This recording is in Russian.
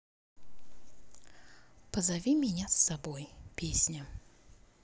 позови меня с собой песня